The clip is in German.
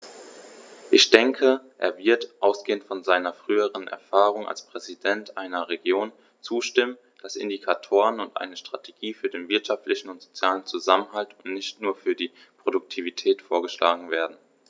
Ich denke, er wird, ausgehend von seiner früheren Erfahrung als Präsident einer Region, zustimmen, dass Indikatoren und eine Strategie für den wirtschaftlichen und sozialen Zusammenhalt und nicht nur für die Produktivität vorgeschlagen werden.